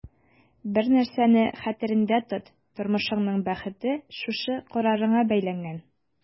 Бер нәрсәне хәтерендә тот: тормышыңның бәхете шушы карарыңа бәйләнгән.